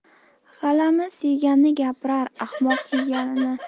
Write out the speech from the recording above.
g'alamis yeganini gapirar ahmoq kiyganini